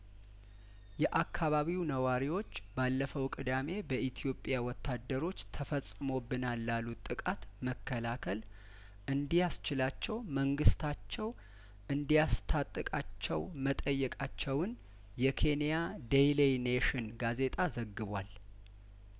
የአካባቢው ነዋሪዎች ባለፈው ቅዳሜ በኢትዮጵያ ወታደሮች ተፈጽሞብናል ላሉት ጥቃት መከላከል እንዲ ያስችላቸው መንግስታቸው እንዲያስታጥቃቸው መጠየቃቸውን የኬንያ ዴይሌ ኔሽን ጋዜጣ ዘግቧል